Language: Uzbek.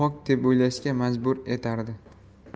o'ylashga majbur etardi